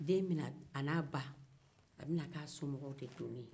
den bɛna a n'a ba a bɛna kɛ a somɔgɔw de kungo ye